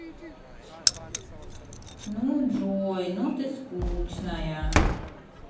ну джой ну ты скучная